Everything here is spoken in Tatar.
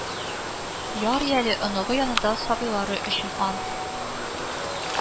Ярый әле оныгы янында сабыйлары өчен ан